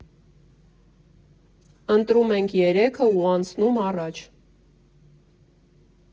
Ընտրում ենք երեքը ու անցնում առաջ։